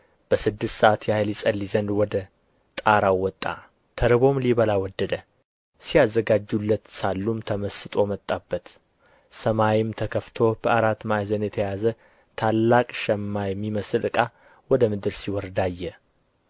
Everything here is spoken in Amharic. በስድስት ሰዓት ያህል ይጸልይ ዘንድ ወደ ጣራው ወጣ ተርቦም ሊበላ ወደደ ሲያዘጋጁለት ሳሉም ተመስጦ መጣበት ሰማይም ተከፍቶ በአራት ማዕዘን የተያዘ ታላቅ ሸማ የሚመስል ዕቃ ወደ ምድር ሲወርድ አየ